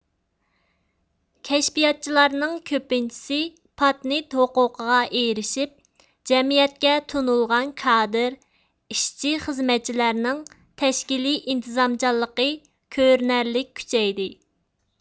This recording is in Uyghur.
كەشپىياتچىلارنىڭ كۆپىنچىسى پاتېنت ھوقۇقىغا ئېرىشىپ جەمئىيەتكە تونۇلغان كادىر ئىشچى خىزمەتچىلەرنىڭ تەشكىلىي ئىنتىزامچانلىقى كۆرۈنەرلىك كۈچەيدى